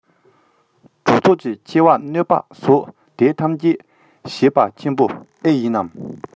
གྲུབ ཐོབ ཀྱི ཆེ བར གནོད པ སོགས དེ ཐམས ཅད བྱས པ ཆེན པོ ཨེ ཡིན ནམ